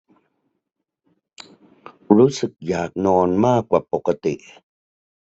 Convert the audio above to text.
รู้สึกอยากนอนมากกว่าปกติ